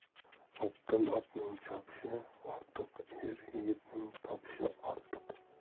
otdan otning chopishi ortiq er yigitning topishi ortiq